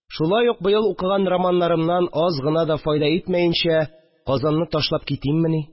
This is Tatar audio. Шулай ук, быел укыган романнарымнан аз гына да файда итмәенчә, Казанны ташлап китиммени